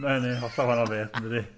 Mae hynny'n hollol wahanol beth yn dydy.